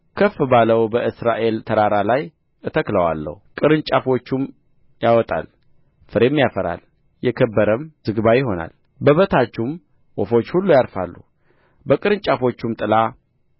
ከፍ ባለው በእስራኤል ተራራ ላይ እተክለዋለሁ ቅርንጫፎችም ያወጣል ፍሬም ያፈራል የከበረም ዝግባ ይሆናል በበታቹም ወፎች ሁሉ ያርፋሉ በቅርንጫፎቹም ጥላ